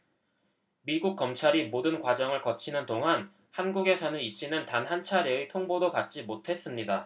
미국 검찰이 모든 과정을 거치는 동안 한국에 사는 이 씨는 단 한차례의 통보도 받지 못했습니다